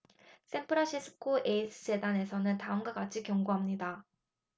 샌프란시스코 에이즈 재단에서는 다음과 같이 경고합니다